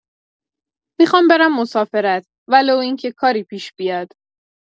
می‌خوام برم مسافرت ولو اینکه کاری پیش بیاد